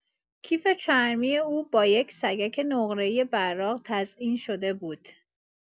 کیف چرمی او با یک سگک نقره‌ای براق تزئین شده بود.